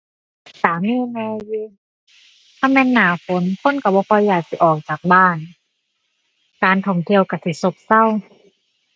ก็มีแหน่อยู่ คันแม่นหน้าฝนคนก็บ่ค่อยอยากสิออกจากบ้าน การท่องเที่ยวก็สิซบเซา